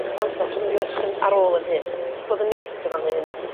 y cyfamsar dwi'n mynd i edrych ar ôl yn hun jyst bod yn neis efo'n hun